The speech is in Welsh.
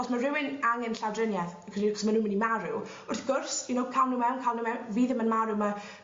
os ma' rywun angen llawdrinieth 'c'os ma' n'w myn' i marw wrth gwrs you know ca'l n'w mewn ca'l n'w mewn fi ddim yn marw ma'